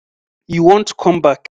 ‘You won't come back!’